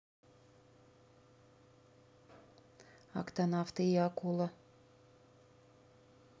октонавты и акула